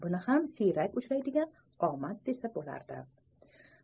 buni ham siyrak uchraydigan omad desa bo'lardi